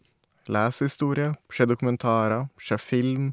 Lese historie, se dokumentarer, se film.